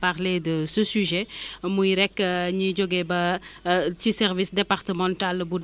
bon ñun tàmm nañu en li ñuy wax kii ki ki ko en agrométéorologie